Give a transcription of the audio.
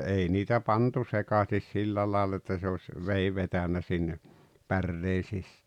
ei niitä pantu sekaisin sillä lailla että se olisi veden vetänyt sinne päreen -